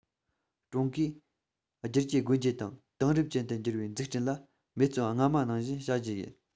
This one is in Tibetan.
ཀྲུང གོས བསྒྱུར བཅོས སྒོ འབྱེད དང དེང རབས ཅན དུ འགྱུར བའི འཛུགས སྐྲུན ལ འབད བརྩོན སྔ མ ནང བཞིན བྱ རྒྱུ ཡིན